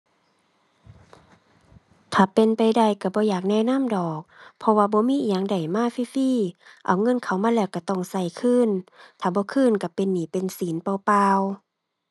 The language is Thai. ถ้าเป็นไปได้ก็บ่อยากแนะนำดอก เพราะว่าบ่มีอิหยังได้มาฟรีฟรี เอาเงินเขามาแล้วก็ต้องก็คืน ถ้าบ่คืนก็เป็นหนี้เป็นสินเปล่าเปล่า